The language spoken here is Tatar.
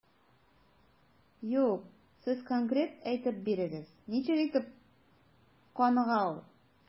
Юк, сез конкрет әйтеп бирегез, ничек итеп каныга ул?